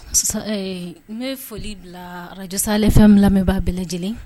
N bɛ foli bila arajsalen fɛn bila min' aa bɛɛ lajɛlen